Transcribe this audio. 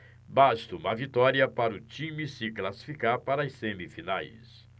basta uma vitória para o time se classificar para as semifinais